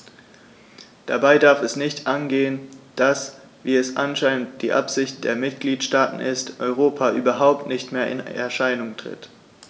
Dabei darf es nicht angehen, dass - wie es anscheinend die Absicht der Mitgliedsstaaten ist - Europa überhaupt nicht mehr in Erscheinung tritt.